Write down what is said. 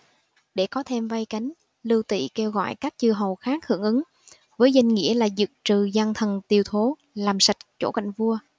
để có thêm vây cánh lưu tỵ kêu gọi các chư hầu khác hưởng ứng với danh nghĩa là diệt trừ gian thần tiều thố làm sạch chỗ cạnh vua